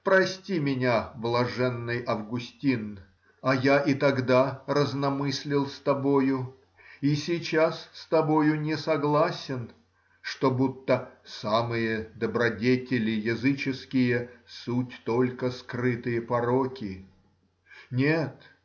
Прости меня, блаженный Августин, а я и тогда разномыслил с тобою и сейчас с тобою не согласен, что будто самые добродетели языческие суть только скрытые пороки. Нет